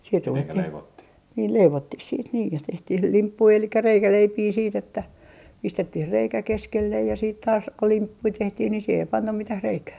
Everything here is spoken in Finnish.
sitten ruvettiin niin leivottiin sitten niin ja tehtiin limppuja eli reikäleipiä sitten että pistettiin reikä keskelle ja sitten taas kun limppuja tehtiin niin siihen ei panna mitään reikää